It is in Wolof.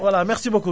voilà merci beaucoup